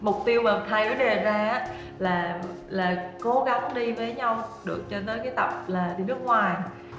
mục tiêu mà hai đứa ra là là cố gắng đi với nhau được cho tới khi tập là đi nước ngoài